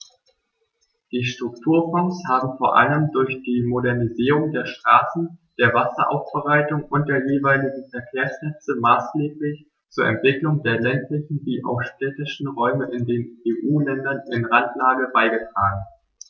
Die Strukturfonds haben vor allem durch die Modernisierung der Straßen, der Wasseraufbereitung und der jeweiligen Verkehrsnetze maßgeblich zur Entwicklung der ländlichen wie auch städtischen Räume in den EU-Ländern in Randlage beigetragen.